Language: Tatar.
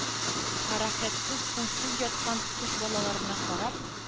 Хәрәкәтсез-тынсыз яткан кош балаларына карап,